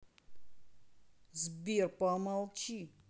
сбер помолчи